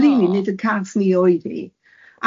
Ond rili nid 'yn cath ni oedd hi.